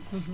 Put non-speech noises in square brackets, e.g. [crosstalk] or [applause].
[hesitation] [hesitation]